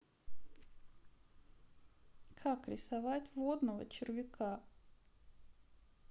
как рисовать водного червяка